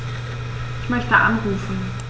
Ich möchte anrufen.